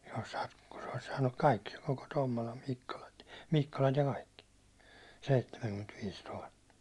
jos - kun se olisi saanut kaikki koko Tommolan - Mikkolat ja kaikki seitsemänkymmentäviisi tuhatta